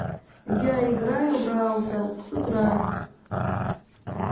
я играю в раута с утра